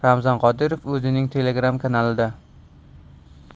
yozgan ramzan qodirov o'zining telegram kanalida